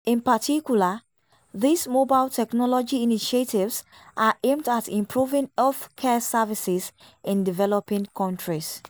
In particular, these mobile technology initiatives are aimed at improving healthcare services in developing countries.